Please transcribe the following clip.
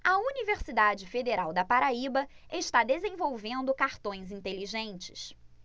a universidade federal da paraíba está desenvolvendo cartões inteligentes